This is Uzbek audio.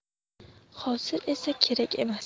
hozir esa kerak emas